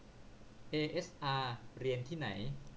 เอเอสอาร์เรียนที่ไหน